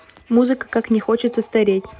музыка как не хочется стареть